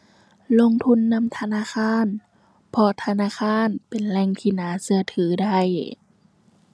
ลงทุนนำธนาคารเพราะธนาคารเป็นแหล่งที่น่าเชื่อถือได้